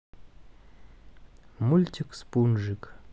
мультик спунжик